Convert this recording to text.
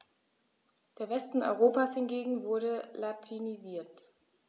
Der Westen Europas hingegen wurde latinisiert.